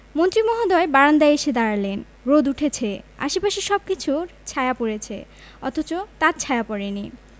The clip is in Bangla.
মন্ত্রী মহোদয় বারান্দায় এসে দাঁড়ালেন রোদ উঠেছে আশপাশের সবকিছুর ছায়া পড়েছে অথচ তাঁর ছায়া পড়েনি